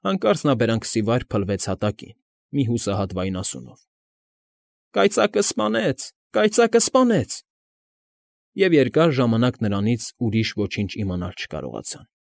Հանկարծ նա բերանքսիվայր փլվեց հատակին մի հուսահատ վայնասունով. «Կայծակը սպանեց, կայծակը սպանեց», ֊ և երկար ժամանակ նրանից ուրիշ ոչինչ իմանալ չկարողացան։